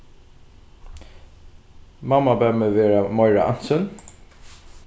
mamma bað meg vera meira ansin